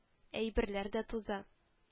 Әйберләр дә туза